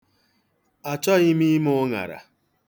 Achọghị m ime ụṅara.